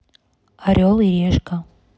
орел и орешка